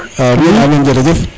amin amin jerejef